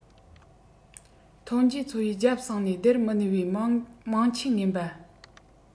ཐོན འབྱེད ཚོང པས རྒྱབ གསང ནས སྡེར མི གནས པའི མིང ཆད ངན པ